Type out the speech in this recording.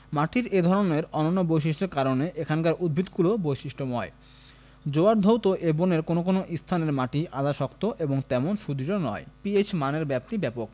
মাটির এ ধরনের অনন্য বৈশিষ্ট্যের কারণে এখানকার উদ্ভিদকুলও বৈশিষ্ট্যময় জোয়ারধৌত এ বনের কোন কোন স্থানের মাটি আধাশক্ত এবং তেমন সুদৃঢ় নয় পিএইচ মানের ব্যাপ্তী ব্যাপক